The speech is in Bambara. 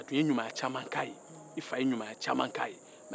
i fa ye ɲumanya caman k'a ye